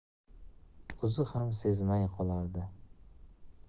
o'zi ham sezmay qolardi